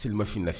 Selimafinaf